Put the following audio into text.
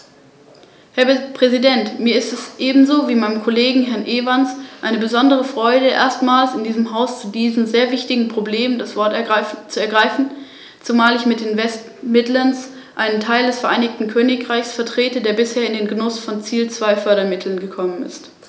Darin geht es um die Sozialwirtschaft und die Notwendigkeit der Bereitstellung von "social risk capital" und der finanziellen Unterstützung von lokalen Programmen zur Schaffung von Beschäftigungsmöglichkeiten und zur Stärkung des sozialen Zusammenhalts.